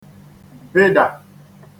bịdà